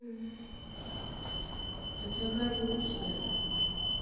ты такая грустная